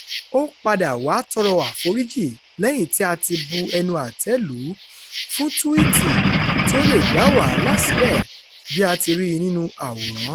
Ó padà wá á tọrọ àforíjì, lẹ́yìn tí a ti bu ẹnu àtẹ́ lù ú, fún túwíìtì "tí ó lè dá wàhálà sílẹ̀ " bí a ti rí i nínú Àwòrán.